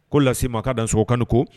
Ko lase ma ka dan so kan ko